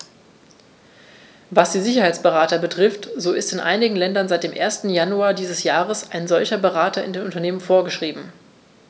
Was die Sicherheitsberater betrifft, so ist in einigen Ländern seit dem 1. Januar dieses Jahres ein solcher Berater in den Unternehmen vorgeschrieben.